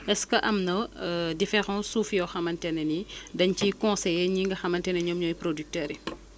est ce am na difféents suuf yoo xamante ne ni dañ ciy conseillé ñi nga xamante ne ñoom ñooy producteurs yi